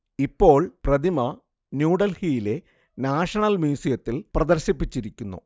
ഇപ്പോൾ പ്രതിമ ന്യൂഡൽഹിയിലെ നാഷണൽ മ്യൂസിയത്തിൽ പ്രദർശിപ്പിച്ചിരിക്കുന്നു